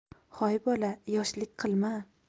hoy bola yoshlik qilma